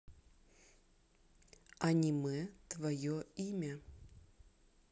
аниме твое имя